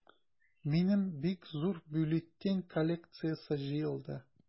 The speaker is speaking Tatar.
Минем бик зур бюллетень коллекциясе җыелды.